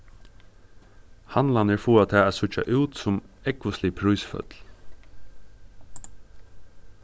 handlarnir fáa tað at síggja út sum ógvuslig prísføll